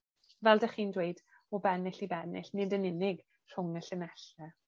fel dych chi'n dweud o bennill i bennill, nid yn unig rhwng y llinelle.